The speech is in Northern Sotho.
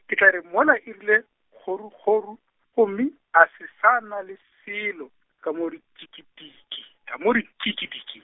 ke tla re mola e rile, kgorokgoro, gomme, a se sa a na le selo, ka mo re tšhikidi, ka mo re tšhikidi.